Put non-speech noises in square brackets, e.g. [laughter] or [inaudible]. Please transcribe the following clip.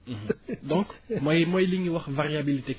[hesitation] [hesitation] [laughs] donc mooy mooy li ñuy wax variabilité